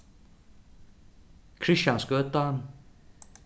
kristiansgøta